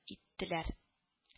Иттеләр